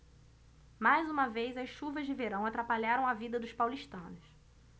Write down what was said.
mais uma vez as chuvas de verão atrapalharam a vida dos paulistanos